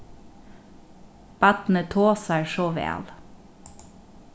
barnið tosar so væl